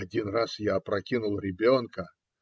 Один раз я опрокинул ребенка.